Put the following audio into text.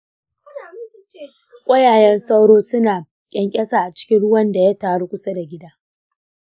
ƙwayayen sauro suna ƙyanƙyasa a cikin ruwan da ya taru kusa da gida.